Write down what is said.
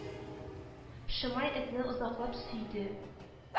Шимай этне озаклап сөйде